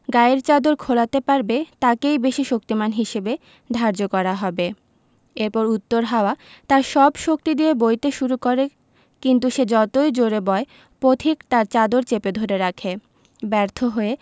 গায়ের চাদর খোলাতে পারবে তাকেই বেশি শক্তিমান হিসেবে ধার্য করা হবে এরপর উত্তর হাওয়া তার সব শক্তি দিয়ে বইতে শুরু করে কিন্তু সে যতই জোড়ে বয় পথিক তার চাদর চেপে ধরে রাখে ব্যর্থ হয়ে